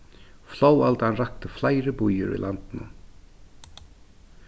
flóðaldan rakti fleiri býir í landinum